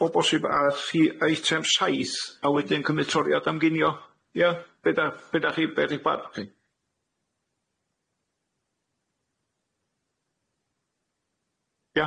o bosib â rhi- eitem saith a wedyn cymryd toriad am ginio, ia? Be' 'da' be' 'dach chi be' 'di 'ch barn chi?